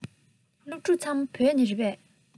སློབ ཕྲུག ཚང མ བོད ལྗོངས ནས རེད པས